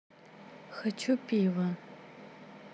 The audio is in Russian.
хочу пива